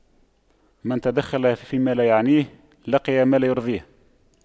من تدخل فيما لا يعنيه لقي ما لا يرضيه